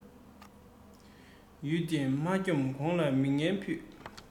ཡུལ སྡེ མ འཁྱོམས གོང ལ མི ངན ཕུད